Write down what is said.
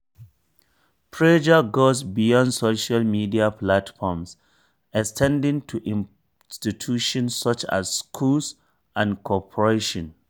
Pressure goes beyond social media platforms, extending to institutions such as schools and corporations.